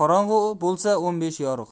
bo'lsa o'n beshi yorug'